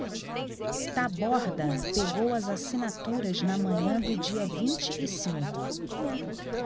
taborda pegou as assinaturas na manhã do dia vinte e cinco